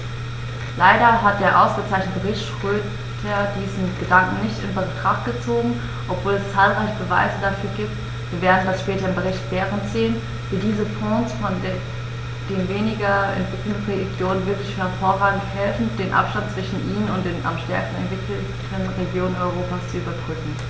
Leider hat der ausgezeichnete Bericht Schroedter diesen Gedanken nicht in Betracht gezogen, obwohl es zahlreiche Beweise dafür gibt - wir werden das später im Bericht Berend sehen -, wie diese Fonds den weniger entwickelten Regionen wirklich hervorragend helfen, den Abstand zwischen ihnen und den am stärksten entwickelten Regionen Europas zu überbrücken.